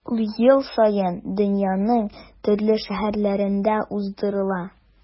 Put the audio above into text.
Ул ел саен дөньяның төрле шәһәрләрендә уздырыла.